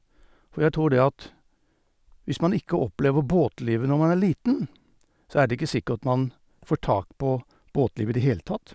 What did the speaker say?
For jeg tror det at hvis man ikke opplever båtlivet når man er liten, så er det ikke sikkert man får tak på båtliv i det hele tatt.